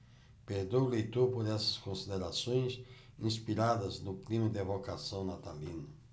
perdoe o leitor por essas considerações inspiradas no clima de evocação natalino